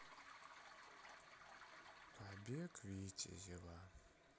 побег витязева